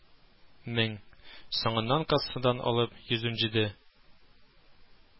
Мең, соңыннан кассадан алып йөз унҗиде